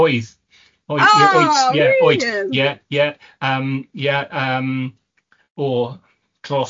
Oedd, oedd ie... O wir?! ...oedd ie oedd ie ie yym ie yym o dros